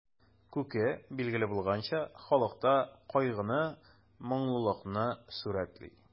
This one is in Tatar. Күке, билгеле булганча, халыкта кайгыны, моңлылыкны сурәтли.